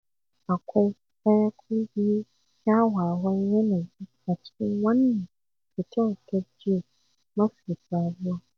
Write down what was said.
Akwai ɗaya ko biyu kyawawan yanayi a cikin wannan fitar ta JE mafi sabuwa.